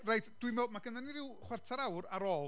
Reit, dwi'n meddwl, mae gynnon ni ryw chwarter awr ar ôl.